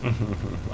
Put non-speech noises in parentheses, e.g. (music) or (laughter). (hesitation) (hesitation) (hesitation) (hesitation)